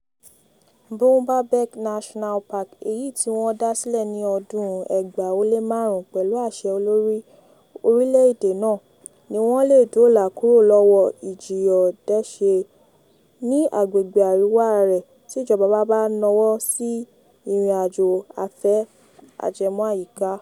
Boumba Bek National Park, èyí tí wọ́n dá sílẹ̀ ní ọdún 2005 pẹ̀lú àṣẹ Olórí Orílẹ̀ èdè náà, ni wọ́n le dóòlà kúrò lọ́wọ́ ìjíọdẹṣe ní agbègbè àríwá rẹ̀ tí ìjọba bá náwó sí ìrìn àjò afé ajẹmọ́ àyíká.